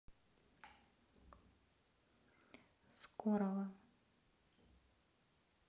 скорого